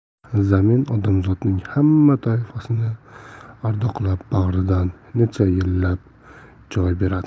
zamin odamzodning hamma toifasini ardoqlab bag'ridan necha yillab joy beradi